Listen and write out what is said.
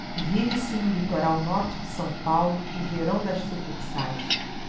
vive-se no litoral norte de são paulo o verão das sucursais